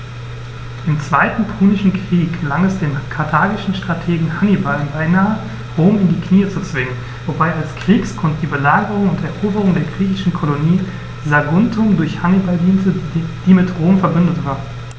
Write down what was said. Im Zweiten Punischen Krieg gelang es dem karthagischen Strategen Hannibal beinahe, Rom in die Knie zu zwingen, wobei als Kriegsgrund die Belagerung und Eroberung der griechischen Kolonie Saguntum durch Hannibal diente, die mit Rom „verbündet“ war.